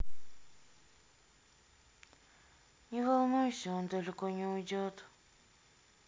не волнуйся он далеко не уйдет